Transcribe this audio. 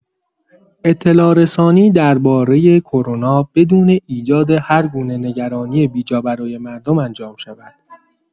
اطلاع‌رسانی درباره کرونا بدون ایجاد هرگونه نگرانی بی‌جا برای مردم انجام شود.